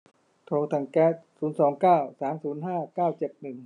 โทรสั่งแก๊สศูนย์สองเก้าสามศูนย์ห้าเก้าเจ็ดหนึ่ง